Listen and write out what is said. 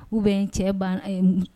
Ou bien cɛ ban na ɛɛ